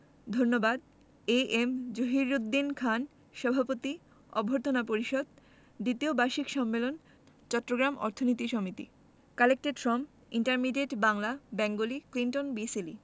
ধন্যবাদ A. M. Jahiruddin Khan সভাপতি অভ্যর্থনা পরিষদ দ্বিতীয় বার্ষিক সম্মেলন চট্টগ্রাম অর্থনীতি সমিতি Collected from Intermediate Bangla Bengali Clinton B Seely